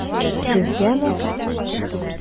Сезгәме?